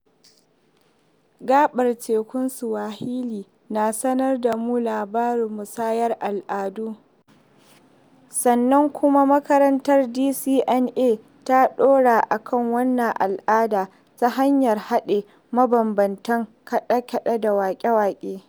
Gaɓar tekun Swahili na sanar da mu labarin musayar al'adu, sannan kuma makarantar DCMA ta ɗora a kan wannan al'ada ta hanyar haɗe mabambamtan kaɗe-kaɗe da waƙe-waƙe.